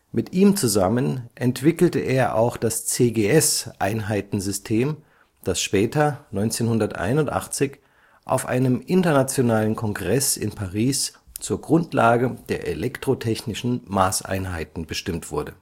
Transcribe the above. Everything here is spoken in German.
Mit ihm zusammen entwickelte er auch das cgs-Einheitensystem, das später, 1881, auf einem internationalen Kongress in Paris zur Grundlage der elektrotechnischen Maßeinheiten bestimmt wurde